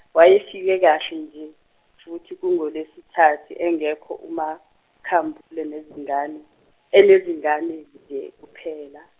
wayefike kahle nje futhi kungoLwesithathu engekho uMaKhambule nezingane enezingane nje kuphela.